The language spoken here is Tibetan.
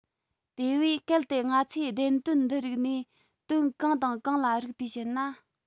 དེ བས གལ ཏེ ང ཚོས དངོས དོན འདི རིགས ནས དོན གང དང གང ལ རིགས པས དཔྱད ན